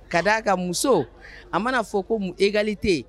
Ka d' a ka muso a mana fɔ ko mun ekalite yen